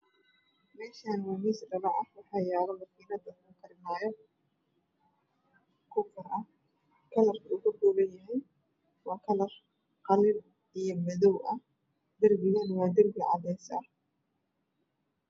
Meshani waa miis dhaba ah waxaa yala makiinada waxaa lagu kariyo kukar ah kalarkeedu wuxuu ka koban yahay waa qalin iyo madow ah derbigana waa derbi cadees ah